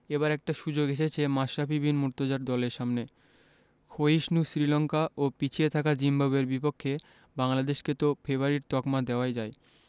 এবার একটা সুযোগ এসেছে মাশরাফি বিন মুর্তজার দলের সামনে ক্ষয়িষ্ণু শ্রীলঙ্কা ও পিছিয়ে থাকা জিম্বাবুয়ের বিপক্ষে বাংলাদেশকে তো ফেবারিট তকমা দেওয়াই যায়